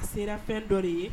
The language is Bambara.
A sera fɛn dɔ de ye